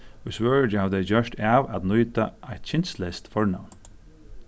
í svøríki hava tey gjørt av at nýta eitt kynsleyst fornavn